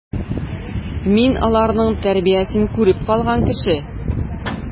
Мин аларның тәрбиясен күреп калган кеше.